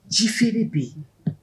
Ji feere de bɛ yen